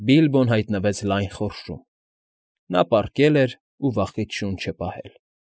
Բիլբոն հայնտվեց լայն խորշում։ Նա պառկել էր ու վախից շունչը պահել։